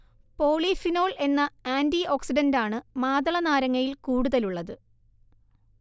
polyphenol എന്ന ആന്റിഓക്സിഡന്റാണ് മാതളനാരങ്ങയിൽ കൂടുതലുള്ളത്